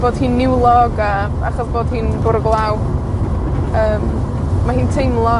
bod hi'n niwlog a, achos bod hi'n bwrw glaw, yym, ma' hi'n teimlo